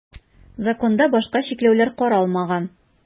Законда башка чикләүләр каралмаган.